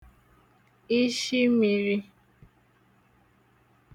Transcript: ishi mīrī